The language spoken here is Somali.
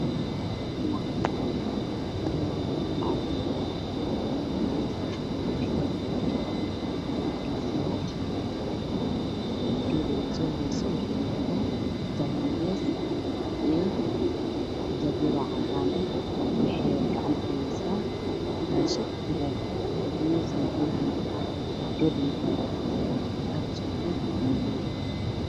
Waxaa ii muuqda gabar taagan oo wadato maracad waxaana hoos fadhido gabar wadato xijaab cagaaran gadaalna waxaa ka xigo gabdho farabadan